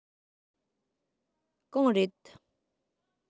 གང རེད